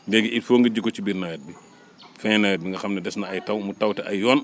léegi il faut nga ji ko ci biir nawet bi fin nawet bi nga xam ne des na ay taw mu tawte ay yoon